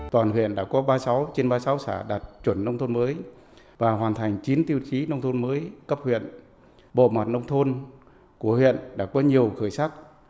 toàn huyện đã có ba sáu trên ba sáu xã đạt chuẩn nông thôn mới và hoàn thành chín tiêu chí nông thôn mới cấp huyện bộ mặt nông thôn của huyện đã có nhiều khởi sắc